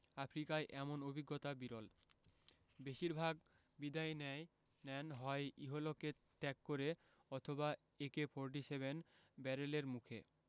আফ্রিকায় এমন অভিজ্ঞতা বিরল বেশির ভাগ বিদায় নেন হয় ইহলোক ত্যাগ করে অথবা একে ফোরটিসেভিন ব্যারেলের মুখে